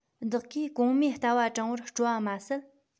བདག གིས གོང སྨྲས ལྟ བ དྲངས བར སྤྲོ བ མ ཟད